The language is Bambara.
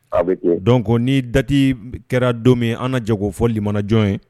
A be ten donc ni date kɛra don min anna jɛ k'o fɔ limanajɔn ye